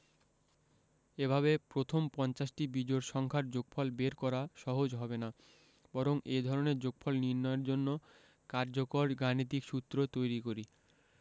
এভাবে প্রথম পঞ্চাশটি বিজোড় সংখ্যার যোগফল বের করা সহজ হবে না বরং এ ধরনের যোগফল নির্ণয়ের জন্য কার্যকর গাণিতিক সূত্র তৈরি করি